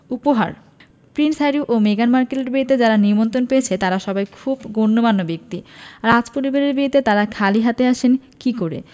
উপহার prince Harry ও মেগান মার্কেলের বিয়েতে যাঁরা নিমন্ত্রণ পেয়েছেন তাঁরা সবাই খুব গণ্যমান্য ব্যক্তি রাজপরিবারের বিয়েতে তাঁরা খালি হাতে আসেন কী করে